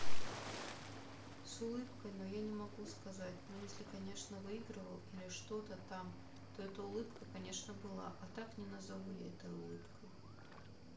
с улыбкой но я не могу сказать ну если конечно выигрывал или что то там то эта улыбка конечно была а так не назову я этой улыбкой